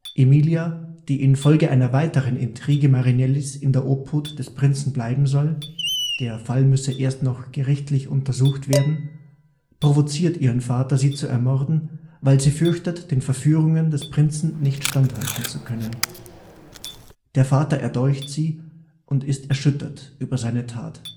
Emilia, die infolge einer weiteren Intrige Marinellis in der Obhut des Prinzen bleiben soll – der Fall müsste erst noch gerichtlich untersucht werden –, provoziert ihren Vater, sie zu ermorden, weil sie fürchtet, den Verführungen des Prinzen nicht standhalten zu können. Der Vater erdolcht sie und ist erschüttert über seine Tat